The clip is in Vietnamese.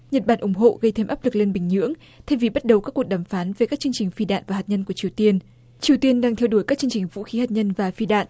nhật bản ủng hộ gây thêm áp lực lên bình nhưỡng thay vì bắt đầu các cuộc đàm phán về các chương trình phi đạn và hạt nhân của triều tiên triều tiên đang theo đuổi các chương trình vũ khí hạt nhân và phi đạn